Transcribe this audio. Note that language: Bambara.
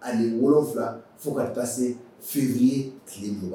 Ani wolonfila fo ka taa se feere ye tileugan